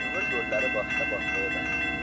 umr yo'llari boshqa boshqa edi